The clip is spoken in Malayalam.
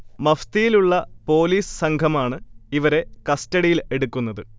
മഫ്തിയിലുള്ള പോലീസ് സംഘമാണ് ഇവരെ കസ്റ്റഡിയിൽ എടുക്കുന്നത്